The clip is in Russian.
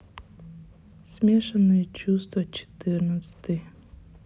смешанные чувства четырнадцатый